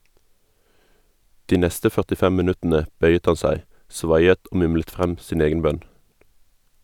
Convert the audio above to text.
De neste 45 minuttene bøyet han seg, svaiet og mumlet frem sin egen bønn.